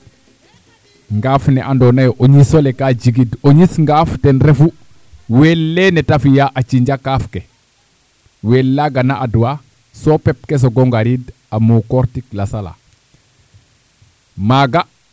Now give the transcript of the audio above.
ngaaf ne andoona yee o ñis ole ka jigid o ñis ngaaf ten refu weel leene te fi'a a cinja kaaf ke weel laaga na adwa soo pep ke soog o ngariid a mukoortik lasala maaga